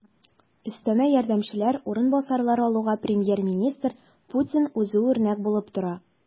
Өстәмә ярдәмчеләр, урынбасарлар алуга премьер-министр Путин үзе үрнәк булып тора.